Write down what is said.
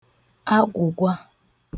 agwụ̀gwa